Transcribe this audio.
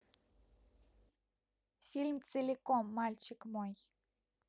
фильм целиком мальчик мой